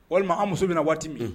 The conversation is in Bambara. Walima an muso bɛna na waati min bɛ